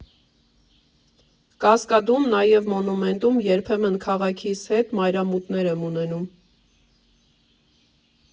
Կասկադում, նաև Մոնումենտում երբեմն քաղաքիս հետ մայրամուտներ եմ ունենում։